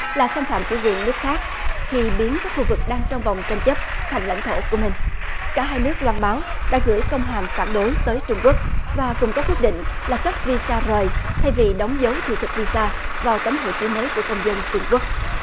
là xâm phạm chủ quyền nước khác khi biến các khu vực đang trong vòng tranh chấp thành lãnh thổ của mình cả hai nước loan báo đã gửi công hàm phản đối tới trung quốc và cùng có quyết định là cấp vi sa rời thay vì đóng dấu thị thực vi sa vào tấm hộ chiếu mới của công dân trung quốc